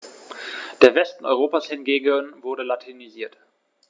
Der Westen Europas hingegen wurde latinisiert.